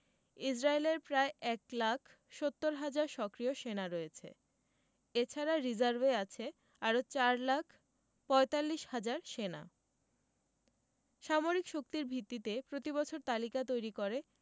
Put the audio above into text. ইসরায়েলের প্রায় ১ লাখ ৭০ হাজার সক্রিয় সেনা রয়েছে এ ছাড়া রিজার্ভে আছে আরও ৪ লাখ ৪৫ হাজার সেনা সামরিক শক্তির ভিত্তিতে প্রতিবছর তালিকা তৈরি করে